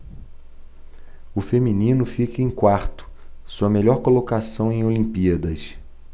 o feminino fica em quarto sua melhor colocação em olimpíadas